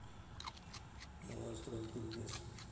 давай устроим тут бес